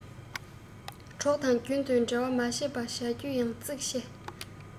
གྲོགས དང རྒྱུན དུ འབྲེལ བ མ ཆད པ བྱེད རྒྱུ ཡང གཙིགས ཆེ